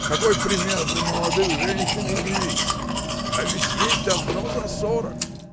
Какой пример для молодых женщин и девиц! А ведь ей давно за сорок!